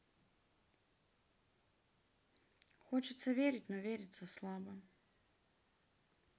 хочется верить но вериться слабо